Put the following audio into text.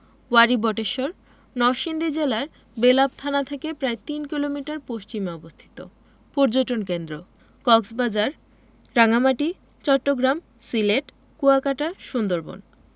ওয়ারী বটেশ্বর নরসিংদী জেলার বেলাব থানা থেকে প্রায় তিন কিলোমিটার পশ্চিমে অবস্থিত পর্যটন কেন্দ্রঃ কক্সবাজার রাঙ্গামাটি চট্টগ্রাম সিলেট কুয়াকাটা সুন্দরবন